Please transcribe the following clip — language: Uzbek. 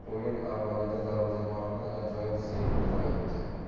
o'yin avvalida darvozabonimiz ajoyib seyf ijro etdi